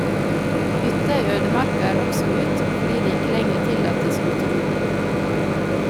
Hytta i ødemarka er også ut, fordi det ikke lenger tillates utedo.